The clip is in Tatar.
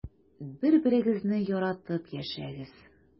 Бер-берегезне яратып яшәгез.